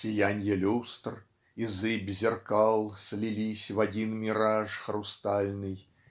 Сиянье люстр и зыбь зеркал Слились в один мираж хрустальный